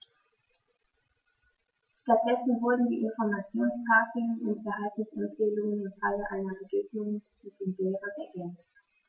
Stattdessen wurden die Informationstafeln um Verhaltensempfehlungen im Falle einer Begegnung mit dem Bären ergänzt.